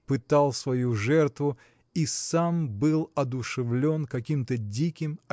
пытал свою жертву и сам был одушевлен каким-то диким